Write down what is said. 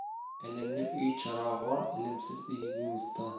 ilmli uy charog'on ilmsiz uy zimiston